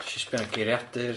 Nesh i sbio geiriadur.